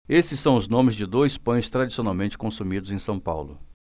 esses são os nomes de dois pães tradicionalmente consumidos em são paulo